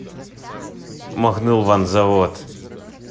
махнул ван завод